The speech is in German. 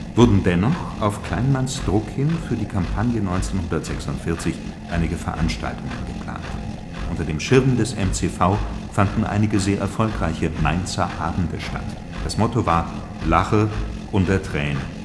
wurden dennoch auf Kleinmanns Druck hin für die Kampagne 1946 einige Veranstaltungen geplant. Unter dem Schirm des MCV fanden einige sehr erfolgreiche „ Mainzer Abende “statt. Das Motto war: „ Lache unter Tränen